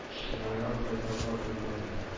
Шимайга файдага булмады